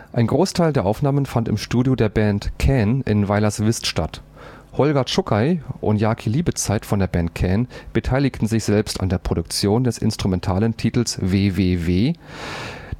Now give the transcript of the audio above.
Ein Großteil der Aufnahmen fand im Studio der Band Can in Weilerswist statt. Holger Czukay und Jaki Liebezeit von der Band Can beteiligten sich selbst an der Produktion des instrumentalen Titels „ W. W. W. “, der schon vorab exklusiv